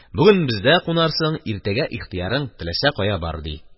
Бүген бездә кунарсың, иртәгә ихтыярың, теләсәң кая бар, ди.